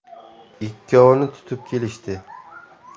ikkovini tutib kelishdi